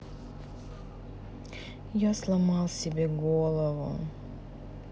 я сломал себе голову